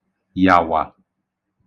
yàwà